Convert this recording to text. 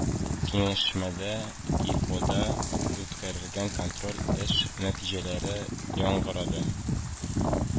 Киңәшмәдә ИФОда үткәрелгән контроль эш нәтиҗәләре яңгырады